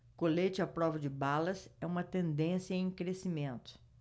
colete à prova de balas é uma tendência em crescimento